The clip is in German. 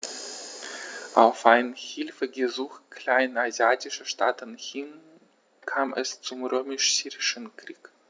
Auf ein Hilfegesuch kleinasiatischer Staaten hin kam es zum Römisch-Syrischen Krieg.